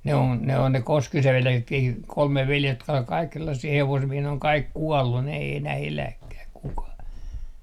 ne on ne on ne Koskisen veljeksetkin kolme veljestä jotka oli kaikki sellaisia hevosmiehiä ne on kaikki kuollut ne ei enää eläkään kukaan